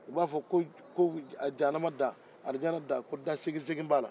u b'a fo ko ko jahanama da alijana da ko da segin segin b'a la